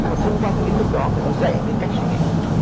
nhưng mà thông qua kí kiến thức đó người ta dạy cái cách suy nghĩ